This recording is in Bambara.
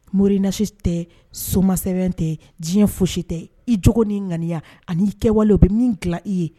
Moriinasi tɛ soma sɛbɛn tɛ diɲɛ foyisi tɛ i j ni ŋganiya ani'i kɛwale o bɛ min bila i ye